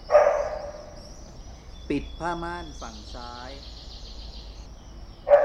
ปิดผ้าม่านฝั่งซ้าย